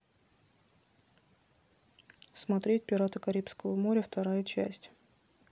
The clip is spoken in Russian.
смотреть пираты карибского моря вторая часть